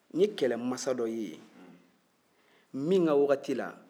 n ye kɛlɛmasa dɔ ye yen min ka waati la